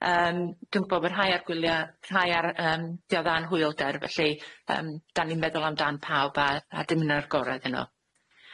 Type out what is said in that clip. Yym dwi'n gwbo' bo' rhai ar gwylia rhai ar yym diodda'n anhwylder felly yym da ni'n meddwl amdan pawb a a dymuno'r gorau iddyn nw.